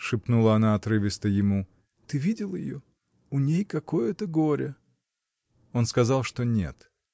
— шепнула она отрывисто ему, — ты видел ее? У ней какое-то горе! Он сказал, что нет.